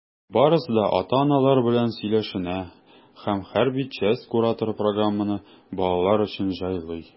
Барысы да ата-аналар белән сөйләшенә, һәм хәрби часть кураторы программаны балалар өчен җайлый.